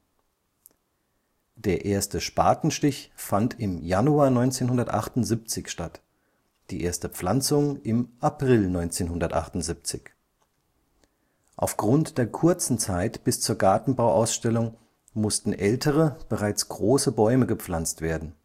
Der erste Spatenstich fand im Januar 1978 statt, die erste Pflanzung im April 1978. Aufgrund der kurzen Zeit bis zur Gartenbauausstellung mussten ältere, bereits große Bäume gepflanzt werden